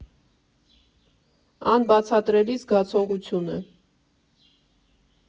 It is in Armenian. Անբացատրելի զգացողություն է։